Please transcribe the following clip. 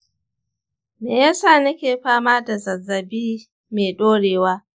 me yasa nake fama da zazzabi mai ɗorewa?